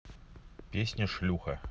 песня шлюха